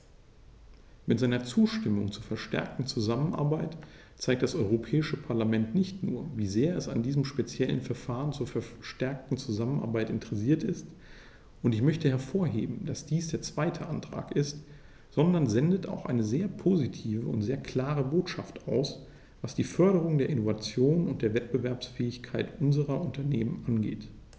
Mit seiner Zustimmung zur verstärkten Zusammenarbeit zeigt das Europäische Parlament nicht nur, wie sehr es an diesem speziellen Verfahren zur verstärkten Zusammenarbeit interessiert ist - und ich möchte hervorheben, dass dies der zweite Antrag ist -, sondern sendet auch eine sehr positive und sehr klare Botschaft aus, was die Förderung der Innovation und der Wettbewerbsfähigkeit unserer Unternehmen angeht.